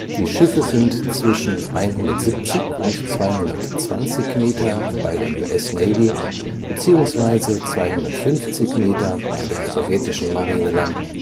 Die Schiffe sind zwischen 170 und 220 Meter (US Navy) beziehungsweise 250 Meter (Sowjetische Marine) lang